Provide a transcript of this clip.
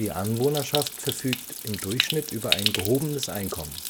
Anwohnerschaft verfügt im Durchschnitt über ein gehobenes Einkommen